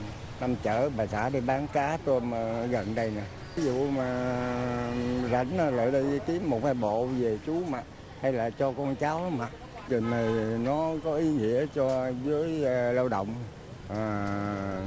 đang chở bà xã đi bán cá tôm ở đây là thí dụ mà rảnh lại đây kiếm một hai bộ về chú mặc hay là cho con cháu mặc rồi mà nó có ý nghĩa cho giới lao động ta